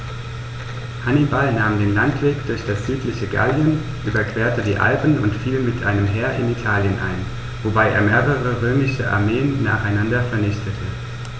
Hannibal nahm den Landweg durch das südliche Gallien, überquerte die Alpen und fiel mit einem Heer in Italien ein, wobei er mehrere römische Armeen nacheinander vernichtete.